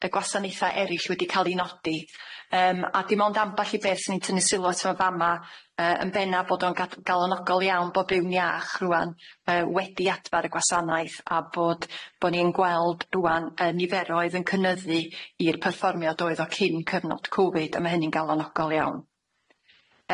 y gwasaneutha erill wedi ca'l 'i nodi yym a dim ond ambell i beth 'swn i'n tynnu sylw ato fy fa'ma yy yn bennaf bod o'n gad- galonogol iawn bo Byw'n Iach rŵan yy wedi adfar y gwasanaeth a bod bo ni'n gweld rŵan y niferoedd yn cynyddu i'r perfformiad oedd o cyn cyfnod Covid a ma' hynny'n galonogol iawn.